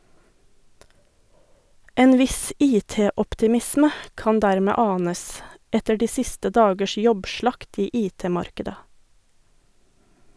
En viss IT-optimisme kan dermed anes, etter de siste dagers jobbslakt i IT-markedet.